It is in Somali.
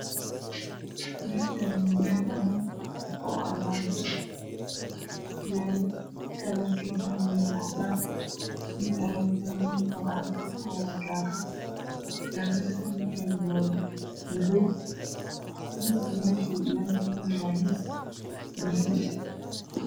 Meeshaani waa meel banaan oo armaajo yaalo kalarkiisu yahay cadaan nin ayaa taagan waxuu gacata kuhayaa jaakad, jaakada kalarkeedu waa madow miiska meesha yaalna waa dahabi.